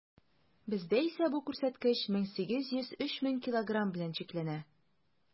Бездә исә бу күрсәткеч 1800 - 3000 килограмм белән чикләнә.